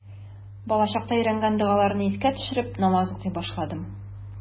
Балачакта өйрәнгән догаларны искә төшереп, намаз укый башладым.